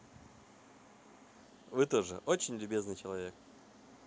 вы тоже очень любезный человек